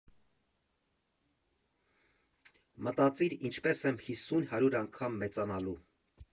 Մտածիր՝ ինչպե՞ս եմ հիսուն֊հարյուր անգամ մեծանալու։